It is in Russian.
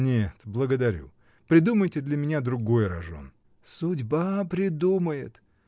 — Нет, благодарю; придумайте для меня другой рожон. — Судьба придумает!